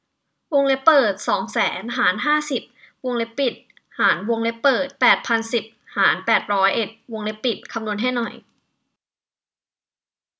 วงเล็บเปิดสองแสนหารห้าสิบวงเล็บปิดหารวงเล็บเปิดแปดพันสิบหารแปดร้อยเอ็ดวงเล็บปิดคำนวณให้หน่อย